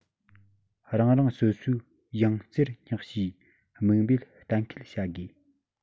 རང རང སོ སོའི ཡང རྩེར བསྙེག བྱའི དམིགས འབེན གཏན འཁེལ བྱ དགོས